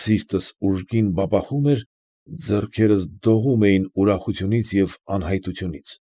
Սիրտս ուժգին բաբախում էր, ձեռքերս դողում էին ուրախությունից և անհայտությունից։